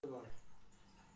joni borning umidi bor